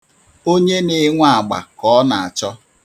Onye na-enwe agba ka ọ na-achọ.